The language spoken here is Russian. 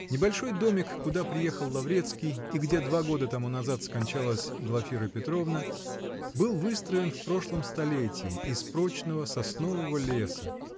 Небольшой домик, куда приехал Лаврецкий и где два года тому назад скончалась Глафира Петровна, был выстроен в прошлом столетии, из прочного соснового леса